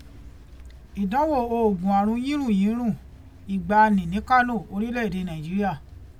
Ìdánwò oògùn àrùn yírùnyírùn ìgbàanì ní Kánò, orílẹ̀ èdèe Nàìjíríà.